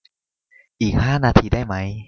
อีกห้านาทีได้ไหม